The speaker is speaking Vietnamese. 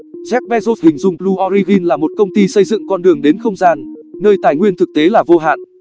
jeff bezos hình dung blue origin là một công ty xây dựng con đường đến không gian nơi tài nguyên thực tế là vô hạn